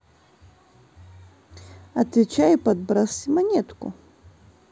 отвечай и подбрось монетку